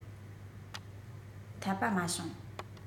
འཐད པ མ བྱུང